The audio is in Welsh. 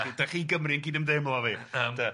...'dach chi Gymry yn cydymdeimlo efo fi, ynde.